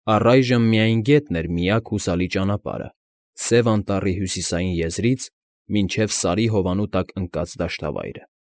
Առայժմ միայն գետն էր միակ հուսալի ճանապարհը Սև Անտառի հյուսիսային եզրից մինչև Սարի հովանու տակ ընկած դաշտավայրը։